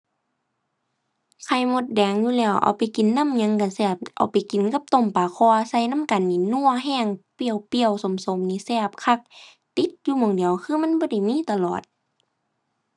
ไข่มดแดงอยู่แล้ว เอาไปกินนำหยังก็แซ่บ เอาไปกินกับต้มปลาข่อ ใส่นำกันนี่นัวก็ เปรี้ยวเปรี้ยวส้มส้มนี่แซ่บคัก ติดอยู่หม้องเดียวคือมันบ่ได้มีตลอด